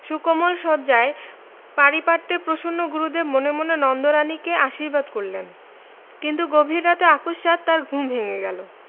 সুকোমল শয্যার পারিপাট্যে প্রসন্ন গুরুদেব মনে মনে নন্দরানীকে আশীর্বাদ করলেন কিন্তু গভীর রাতে অকস্মাৎ তাঁর ঘুম ভেঙ্গে গেল